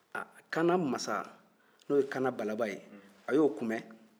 aa kana masa n'o ye kana balaba ye a y'o komɛn